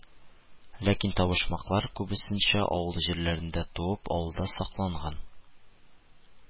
Ләкин табышмаклар, күбесенчә, авыл җирләрендә туып, авылда сакланган